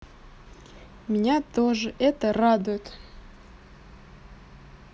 меня тоже это радует